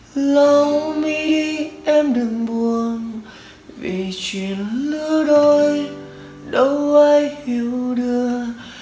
lau mi đi em đừng buồn vì chuyện lứa đôi đâu ai hiểu được